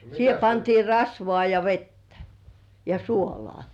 siihen pantiin rasvaa ja vettä ja suolaa